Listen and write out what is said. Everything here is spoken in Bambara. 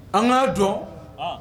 An k'a dɔn